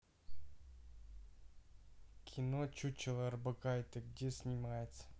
кино чучело орбакайте где снимается